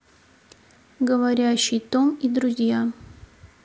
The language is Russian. говорящий том и друзья